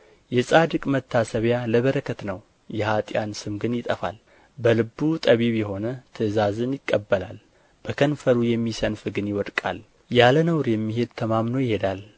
የጻድቅ መታሰቢያ ለበረከት ነው የኅጥኣን ስም ግን ይጠፋል በልቡ ጠቢብ የሆነ ትእዛዝን ይቀበላል በከንፈሩ የሚሰንፍ ግን ይወድቃል ያለ ነውር የሚሄድ ተማምኖ ይሄዳል